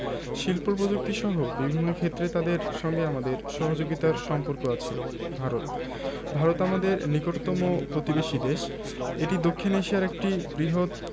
শিল্প প্রযুক্তিসহ বিভিন্ন ক্ষেত্রে তাদের সঙ্গে আমাদের সহযোগিতার সম্পর্ক আছে ভারতঃ ভারত আমাদের নিকটতম প্রতিবেশী দেশএটি দক্ষিন এশিয়ার একটি বৃহৎ